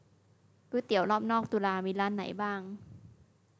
ก๋วยเตี๋ยวรอบนอกจุฬามีร้านไหนบ้าง